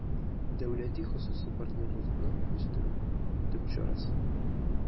«дәүләти-хосусый партнерлыкны үстерү» төп чарасы